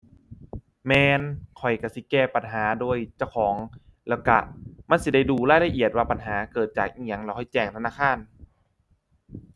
แม่น ข้อยก็สิแก้ปัญหาด้วยเจ้าของแล้วก็มันสิได้รู้รายละเอียดว่าปัญหาเกิดจากอิหยังแล้วค่อยแจ้งธนาคาร